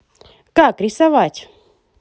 как рисовать